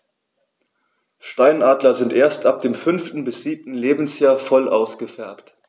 Steinadler sind erst ab dem 5. bis 7. Lebensjahr voll ausgefärbt.